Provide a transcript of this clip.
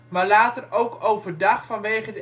maar later ook overdag vanwege